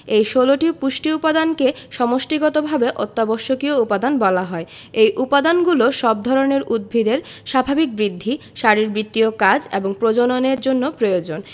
এ ১৬টি পুষ্টি উপাদানকে সমষ্টিগতভাবে অত্যাবশ্যকীয় উপাদান বলা হয় এই উপাদানগুলো সব ধরনের উদ্ভিদের স্বাভাবিক বৃদ্ধি শারীরবৃত্তীয় কাজ এবং প্রজননের জন্য প্রয়োজন